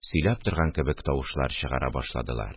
Сөйләп торган кебек тавышлар чыгара башладылар